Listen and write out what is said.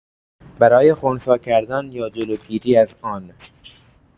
برای خنثی کردن یا جلوگیری از آن